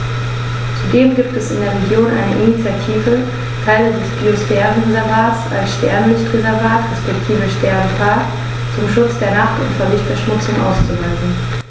Zudem gibt es in der Region eine Initiative, Teile des Biosphärenreservats als Sternenlicht-Reservat respektive Sternenpark zum Schutz der Nacht und vor Lichtverschmutzung auszuweisen.